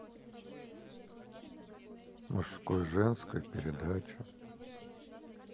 мужское женское передача